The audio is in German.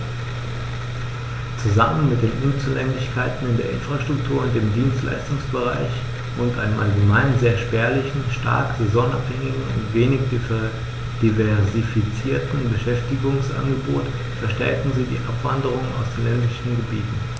Zusammen mit den Unzulänglichkeiten in der Infrastruktur und im Dienstleistungsbereich und einem allgemein sehr spärlichen, stark saisonabhängigen und wenig diversifizierten Beschäftigungsangebot verstärken sie die Abwanderung aus den ländlichen Gebieten.